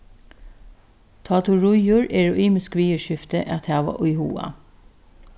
tá tú ríður eru ymisk viðurskifti at hava í huga